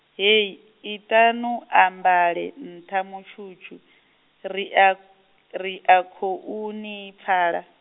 hei i ta nu ambale nṱha mutshutshu, ria, ria khou nipfala.